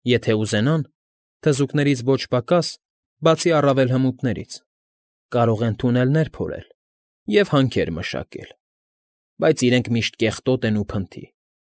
Եթե ուզենան, թզուկներից ոչ պակաս, բացի առավել հմուտներից, կարող են թունելներ փորել և հանքեր մշակել, բայց իրենք միշտ կեղտոտ են ու փնթի։